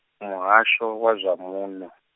muhasho wa zwa muṋo.